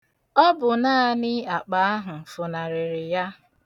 Ọ bụ naanị akpa ahụ funarịrị ya.